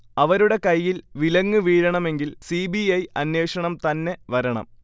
അവരുടെ കയ്യിൽ വിലങ്ങ് വീഴണമെങ്കിൽ സി. ബി. ഐ അന്വേഷണം തന്നെ വരണം